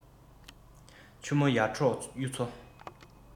ཆུ མོ ཡར འབྲོག གཡུ མཚོ